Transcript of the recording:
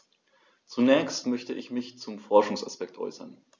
Zunächst möchte ich mich zum Forschungsaspekt äußern.